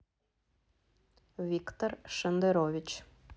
виктор шендерович